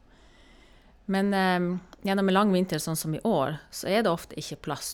Men gjennom en lang vinter sånn som i år så er det ofte ikke plass.